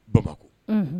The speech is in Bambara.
Bamakɔ